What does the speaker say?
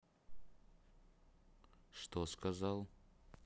что сказал